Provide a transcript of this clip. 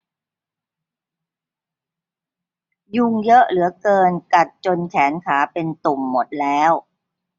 ยุงเยอะเหลือเกินกัดจนแขนขาเป็นตุ่มหมดแล้ว